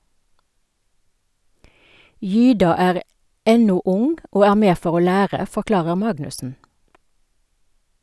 - Gyda er ennå ung og er med for å lære, forklarer Magnussen.